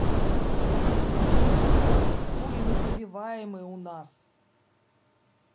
пуленепробиваемый у нас